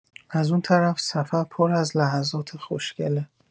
از اون طرف، سفر پر از لحظات خوشگله.